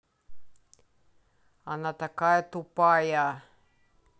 она такая тупая